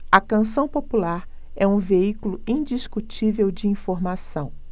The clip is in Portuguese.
a canção popular é um veículo indiscutível de informação